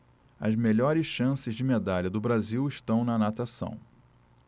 as melhores chances de medalha do brasil estão na natação